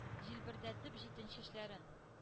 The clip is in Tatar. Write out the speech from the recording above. Җилбердәтеп җитен чәчләрен,